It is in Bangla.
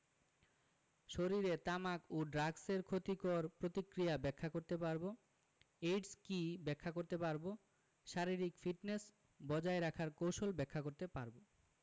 শরীরে তামাক ও ড্রাগসের ক্ষতিকর প্রতিক্রিয়া ব্যাখ্যা করতে পারব এইডস কী ব্যাখ্যা করতে পারব শারীরিক ফিটনেস বজায় রাখার কৌশল ব্যাখ্যা করতে পারব